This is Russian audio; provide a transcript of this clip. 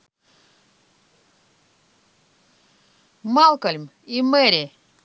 малькольм и mary